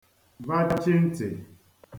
vachi ntị̀